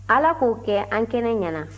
ala k'o kɛ an kɛnɛ ɲɛna